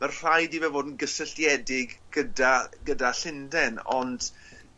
ma' rhaid i fe fod yn gysylltiedig gyda gyda Llundain ond